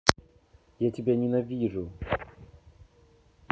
я тебя ненавижу